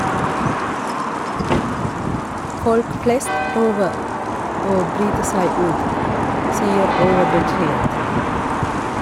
- Folk flest prøver å bryte seg ut , sier overbetjent.